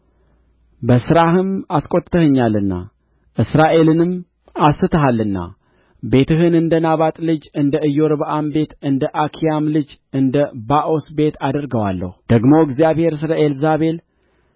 በሥራህም አስቈጥተኸኛልና እስራኤልንም አስተሃልና ቤትህን እንደ ናባጥ ልጅ እንደ ኢዮርብዓም ቤት እንደ አኪያም ልጅ እንደ ባኦስ ቤት አደርገዋለሁ ደግሞ እግዚአብሔር ስለ ኤልዛቤል